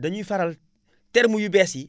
dañuy faral termes yu bees yi